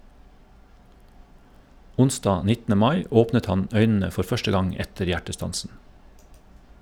Onsdag 19. mai åpnet han øynene for første gang etter hjertestansen.